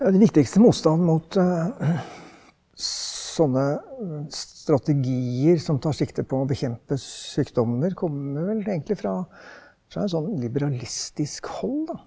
ja den viktigste motstanden mot sånne strategier som tar sikte på å bekjempe sykdommer kommer vel egentlig fra fra en sånn liberalistisk hold da.